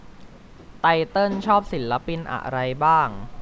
ไตเติ้ลชอบศิลปินอะไรบ้าง